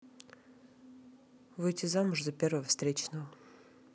выйти замуж за первого встречного